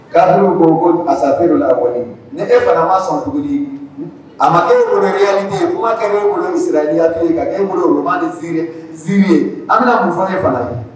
' ko ko asafedu la kɔni ni e fana ma sɔn a ma eoloya ye kumakɛ e woloya ye ka kɛ e woloma nii ziiriye an bɛna muso ye fana